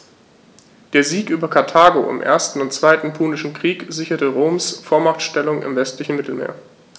Der Sieg über Karthago im 1. und 2. Punischen Krieg sicherte Roms Vormachtstellung im westlichen Mittelmeer.